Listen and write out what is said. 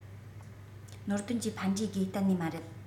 ནོར དོན གྱི ཕན འབྲས དགོས གཏན ནས མ རེད